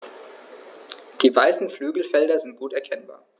Die weißen Flügelfelder sind gut erkennbar.